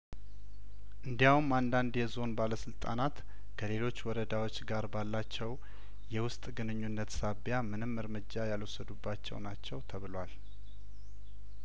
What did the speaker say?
እንዲያውም አንዳንድ የዞን ባለስልጣናት ከሌሎች ወረዳዎች ጋር ባላቸው የውስጥ ግንኙነት ሳቢያምንም እርምጃ ያልወሰዱባቸው ናቸው ተብሏል